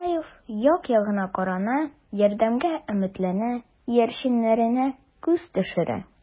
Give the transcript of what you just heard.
Мурзаев як-ягына карана, ярдәмгә өметләнеп, иярченнәренә күз төшерә.